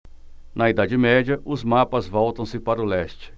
na idade média os mapas voltam-se para o leste